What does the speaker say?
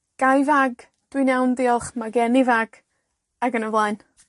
Gai fag? Dwi'n iawn, diolch. Ma' gen i fag, ag yn y blaen.